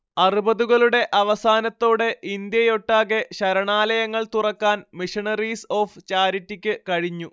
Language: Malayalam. അറുപതുകളുടെ അവസാനത്തോടെ ഇന്ത്യയൊട്ടാകെ ശരണാലയങ്ങൾ തുറക്കാൻ മിഷണറീസ് ഓഫ് ചാരിറ്റിക്ക് കഴിഞ്ഞു